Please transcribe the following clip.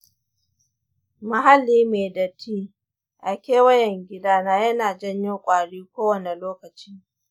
muhalli mai datti a kewayen gidana yana janyo ƙwari kowane lokaci.